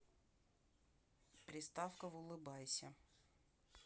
приставка в улыбайся